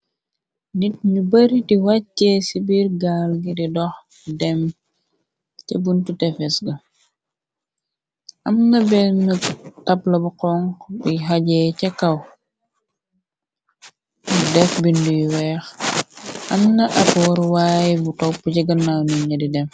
Nit ñu bari di wàccee ci biir gaal ngi di dox dem, ca buntu tefes ga, amna benn tabla bu xonxu bu hajee ca kaw, bu def binde yu weex, amna ab waruwaaye bu topp ci gannaw niñe di dem.